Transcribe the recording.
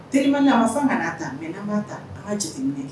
Terieli a ma san ka ta mɛn an ka taa an ka jate minɛ kɛ